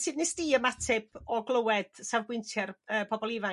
Sud 'nes di ymateb o glywed sawflbwyntiau'r yy pobol ifanc yma?